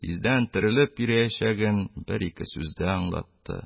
Тиздән терелеп йөриячәген бер-ике сүздә аңлатты.